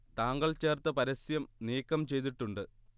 താങ്കൾ ചേർത്ത പരസ്യം നീക്കം ചെയ്തിട്ടുണ്ട്